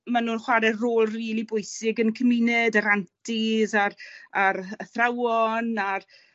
ma' nw'n chware rôl rili bwysig yn cymuned yr aunties a'r a'r athrawon a'r